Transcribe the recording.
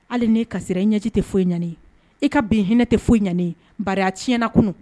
Hali n'i kasira i ɲɛji tɛ foyi ɲɛ ne ye i ka bi hinɛ tɛ foyi ɲɛ ne ye bari a tiyɛna kunun